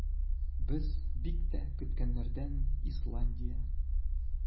Без бик тә көткәннәрдән - Исландия.